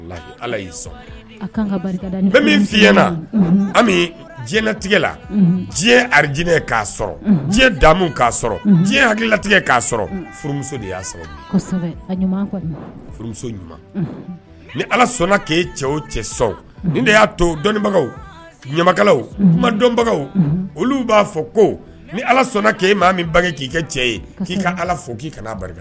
Min diɲɛtigɛ diɲɛd k'amu k'a sɔrɔ diɲɛ hakililatigɛ k'a furumuso'a sɔrɔmuso ni ala sɔnna' cɛ cɛ ni y'a to dɔnnibagaw ɲamakala ma dɔnbagaw olu b'a fɔ ko ni ala sɔnna ke maa min bange k'i kɛ cɛ ye k' ka ala fo k'i ka